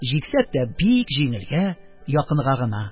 Җиксәк тә, бик җиңелгә, якынга гына.